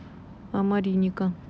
а мариника